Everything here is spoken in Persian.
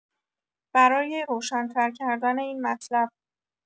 برای روشن‌تر کردن این مطلب